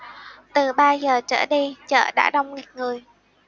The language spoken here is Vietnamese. từ ba giờ trở đi chợ đã đông nghịt người